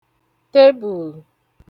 tebùl